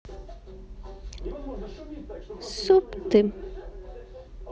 суп ты